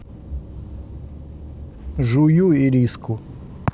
жую ириску